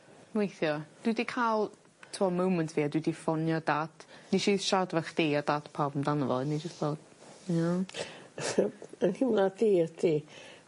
Weithia'. Dwi 'di ca'l t'mo moment fi a dwi 'di ffonio dad. Nesh i siarad efo chdi a dad pawb amdano fo o'n i jys fel you know. 'yn nheimlad i ydi